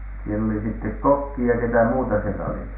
siellä oli sitten kokki ja ketä muuta siellä oli